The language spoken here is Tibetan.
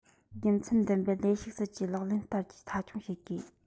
དགེ མཚན ལྡན པའི ལས ཞུགས སྲིད ཇུས ལག ལེན བསྟར རྒྱུ མཐའ འཁྱོངས བྱེད དགོས